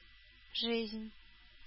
Жизнь